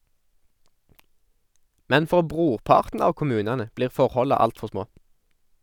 Men for brorparten av kommunane blir forholda altfor små.